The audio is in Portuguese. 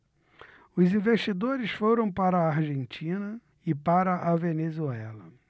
os investidores foram para a argentina e para a venezuela